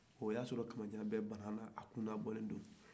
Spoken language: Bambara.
o y'a sɔrɔ kamjan bɛ bana a kun labɔlen